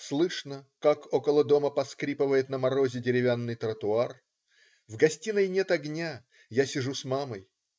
Слышно, как, около дома, поскрипывает на морозе деревянный тротуар. В гостиной нет огня. Я сижу с мамой.